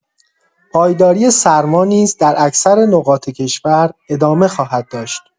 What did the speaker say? پایداری سرما نیز در اکثر نقاط کشور ادامه خواهد داشت.